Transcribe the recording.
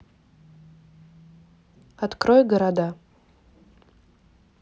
открой города